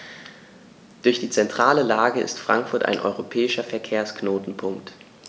Durch die zentrale Lage ist Frankfurt ein europäischer Verkehrsknotenpunkt.